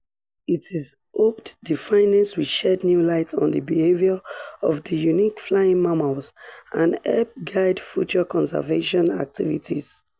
It is hoped the findings will shed new light on the behavior of the unique flying mammals and help guide future conservation activities.